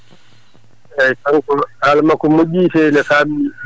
eeyi kanko haala makko moƴƴii te ine faamnii